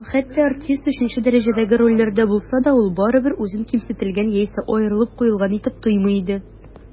Һәм хәтта артист өченче дәрәҗәдәге рольләрдә булса да, ул барыбыр үзен кимсетелгән яисә аерылып куелган итеп тоймый иде.